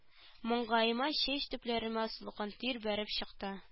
Маңгаема чәч төпләремә салкын тир бәш бәреп чыкты